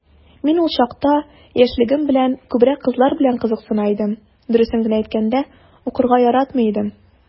Мин ул чакта, яшьлегем белән, күбрәк кызлар белән кызыксына идем, дөресен генә әйткәндә, укырга яратмый идем...